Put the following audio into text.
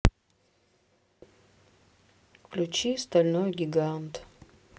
включи стальной гигант